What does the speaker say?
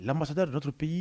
masasa dɔtourppi ye